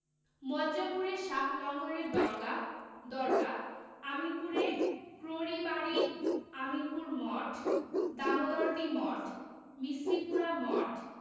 মুয়াজ্জমপুরে শাহ লঙ্গরের দলগা দরগাহ আমিনপুরে ক্রোড়িবাড়ি আমিনপুর মঠ দামোদরদি মঠ মিসরিপুরা মঠ